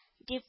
— дип